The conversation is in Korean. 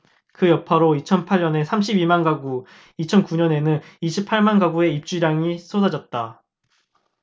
그 여파로 이천 팔 년에 삼십 이 만가구 이천 구 년에는 이십 팔 만가구의 입주물량이 쏟아졌다